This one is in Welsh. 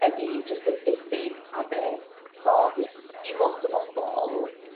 ydi jyst y diffyg addysg so... Ie. i lot o bobol